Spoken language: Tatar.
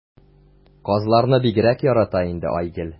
Казларны бигрәк ярата инде Айгөл.